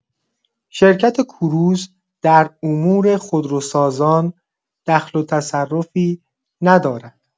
شرکت کروز در امور خودروسازان دخل و تصرفی ندارد.